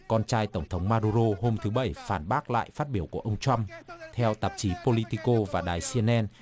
con trai tổng thống ma đu rô hôm thứ bảy phản bác lại phát biểu của ông trăm theo tạp chí pô li ti cô và đài xi en en